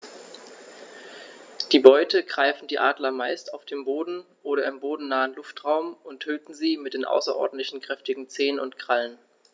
Die Beute greifen die Adler meist auf dem Boden oder im bodennahen Luftraum und töten sie mit den außerordentlich kräftigen Zehen und Krallen.